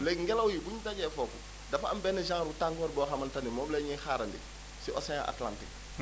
léegi ngelaw yi bu ñu dajee foofu dafa am benn genre ru tàngoor boo xamante ni moom la ñuy xaarandi si Océan Atlantique